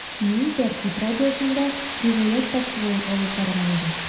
“мин “тәртип” радиосында “риваять” тапшыруын алып барган идем.